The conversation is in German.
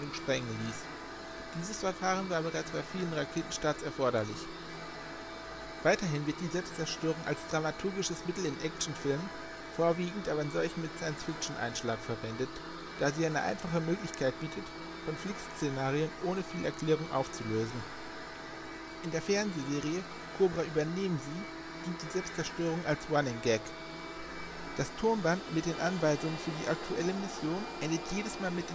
sprengen ließ. Dieses Verfahren war bereits bei vielen Raketenstarts erforderlich. Die Selbstzerstörung wird häufig als dramaturgisches Mittel in Actionfilmen, vorwiegend aber solchen mit Science-Fiction-Einschlag verwendet, da sie eine einfache Möglichkeit bietet, Konfliktszenarien ohne viele Erklärungen aufzulösen: der Held drückt auf den Knopf, eine blecherne Stimme zählt einen Countdown ab – und alles fliegt in die Luft. In der Fernsehserie Kobra, übernehmen Sie dient die Selbstzerstörung als Running Gag: Das Tonband mit den Anweisungen für die aktuelle Mission endet jedes Mal mit